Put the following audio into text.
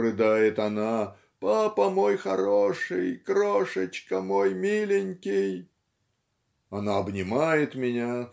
- рыдает она, - папа мой хороший. Крошечка мой, миленький. " Она обнимает меня